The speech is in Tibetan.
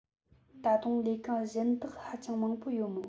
ད དུང ལས ཀ གཞན དག ཧ ཅང མང པོ ཡོད མོད